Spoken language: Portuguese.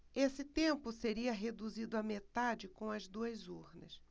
esse tempo seria reduzido à metade com as duas urnas